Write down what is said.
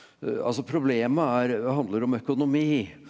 altså problemet er handler om økonomi.